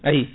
ayi